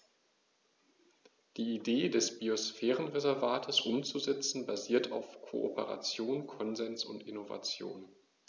Die Idee des Biosphärenreservates umzusetzen, basiert auf Kooperation, Konsens und Innovation.